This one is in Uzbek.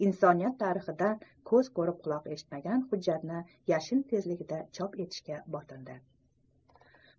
insoniyat tarixidan ko'z ko'rib quloq eshitmagan hujjatni yashin tezligida chop etishga botindi